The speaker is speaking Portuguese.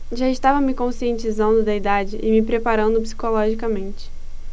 já estava me conscientizando da idade e me preparando psicologicamente